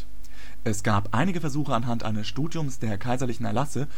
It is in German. gab einige Versuche anhand eines Studiums der Kaiserlichen Erlasse